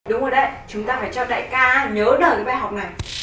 đúng rồi đáy chúng ta phải cho đại ca á nhớ đời cái bài học